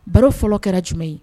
Baro fɔlɔ kɛra jumɛn ye?